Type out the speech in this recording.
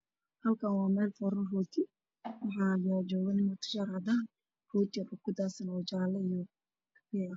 Halkaan waa meel foorno rooti ah wax dhulka ku daadsab rooti